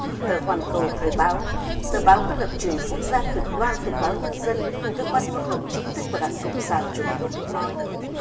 tờ hoàn cầu thời báo tờ báo có lập trường quốc gia cực đoan thuộc báo nhân dân cơ quan ngôn luận chính thức của đảng cộng sản trung quốc nói